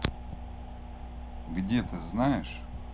где ты знаешь